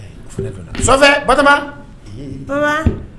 Ba